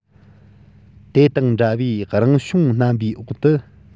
དེ དང འདྲ བའི རང བྱུང རྣམ པའི འོག ཏུ